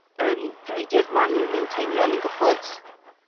yym brwydyr 'ma ni'n ni'n teimlo ni'n goffod